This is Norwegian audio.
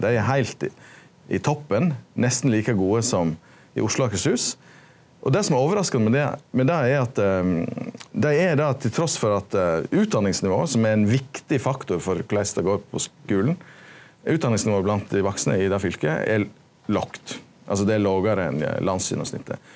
dei er eg heilt i toppen nesten like gode som i Oslo og Akershus og det som er overraskande med det med det er at dei er det til tross for at utdanningsnivået som er ein viktig faktor for korleis det går på skulen utdanningsnivået blant dei vaksne i det fylket er lågt altså det er lågare enn landsgjennomsnittet.